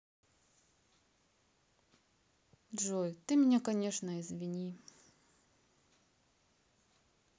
джой ты меня конечно извини